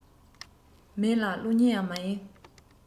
མིན ལ གློག བརྙན ཡང མ ཡིན